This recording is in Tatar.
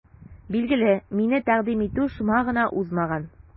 Билгеле, мине тәкъдим итү шома гына узмаган.